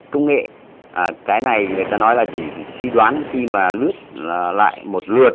công nghệ à cái này người ta nói là chỉ suy đoán khi mà lướt là lại một lượt